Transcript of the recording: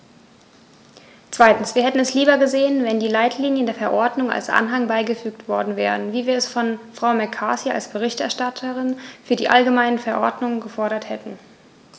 Zweitens: Wir hätten es lieber gesehen, wenn die Leitlinien der Verordnung als Anhang beigefügt worden wären, wie wir es von Frau McCarthy als Berichterstatterin für die allgemeine Verordnung gefordert hatten.